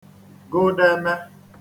gụdēmē